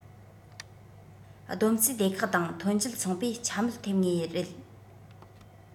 བསྡོམས རྩིས སྡེ ཁག དང ཐོན འབྱེད ཚོང པས འཕྱ སྨོད ཐེབས ངེས རེད